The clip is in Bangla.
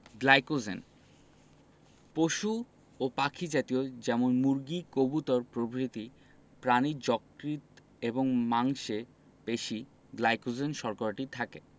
গ্লাইকোজেন পশু ও পাখি জাতীয় যেমন মুরগি কবুতর প্রভৃতি প্রাণীর যকৃৎ এবং মাংসে পেশি গ্লাইকোজেন শর্করাটি থাকে